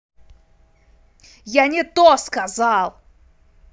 я не то сказал